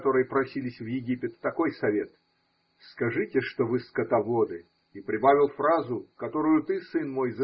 которые просились в Египет, такой совет: скажите, что вы скотоводы. И прибавил фразу, которую ты. сын мой.